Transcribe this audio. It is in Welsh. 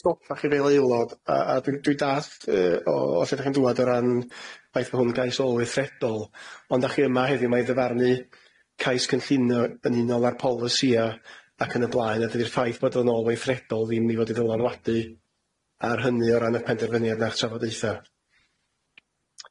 ...stopa chi fel aelod a a dwi dwi dath yy o o lle dach chi'n dŵad o ran ffaith bo' hwn gais ôl weithredol ond dach chi yma heddiw ma i ddyfarnu cais cynllun yy yn unol â'r polisïa, ac yn y blaen a dydi'r ffaith bod o'n ôl weithredol ddim i fod i ddylanwadu ar hynny o ran y penderfyniad na'r trafodaetha.